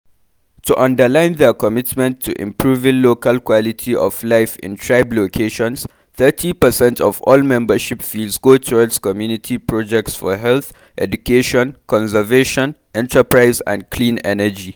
To underline their commitment to improving local quality of life in “tribe” locations, 30% of all membership fees go towards community projects for health, education, conservation, enterprise and clean energy.